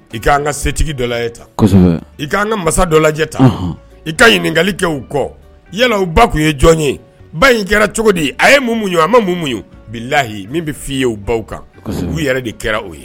I ka'an ka setigi dɔ lajɛ tan, kosɛbɛ, i k'an ka mansa dɔ lajɛ tan, unhun, i ka ɲininkali kɛ u kɔ, yala u ba tun ye jɔn ye, ba in kɛra cogo di a ye mun muɲu a ma mun muɲu, bilahi min bɛ fɔ i ye u baw kan, kosɛbɛ, u yɛrɛ de kɛra o ye